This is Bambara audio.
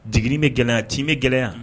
Digi bɛ gɛlɛya yan t'i bɛ gɛlɛya yan